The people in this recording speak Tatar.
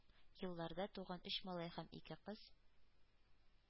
Елларда туган өч малай һәм ике кыз